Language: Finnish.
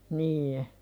niin